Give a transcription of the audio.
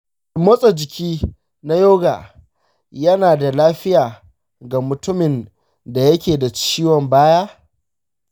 shin motsa jiki na yoga yana da lafiya ga mutumin da ke da ciwon baya?